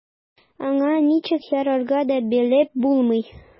Аңа ничек ярарга да белеп булмый.